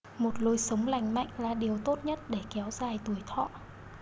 một lối sống lành mạnh là điều tốt nhất để kéo dài tuổi thọ